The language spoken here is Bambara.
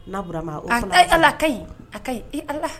N'a burama ala ka ɲi a ka ɲi e ala